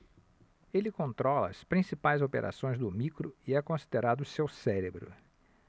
ele controla as principais operações do micro e é considerado seu cérebro